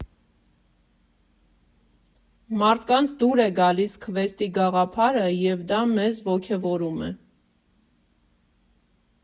Մարդկանց դուր է գալիս քվեսթի գաղափարը, և դա մեզ ոգևորում է։